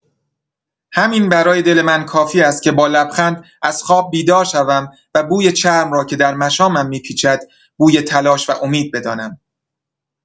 همین برای دل من کافی است که با لبخند از خواب بیدار شوم و بوی چرم را که در مشامم می‌پیچد بوی تلاش و امید بدانم.